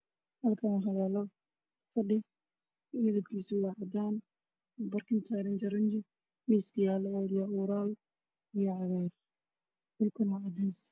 Halkaan waxaa ka muuqdo fadhi cadays ah waxaana saaran barkin cadays ah iyo barkin guduud ah waxaa meesha yaalo miis madaw iyo jaalo ah background ka waxaa ku xiran daah cadaan